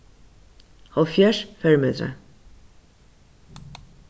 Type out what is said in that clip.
hálvfjerðs fermetrar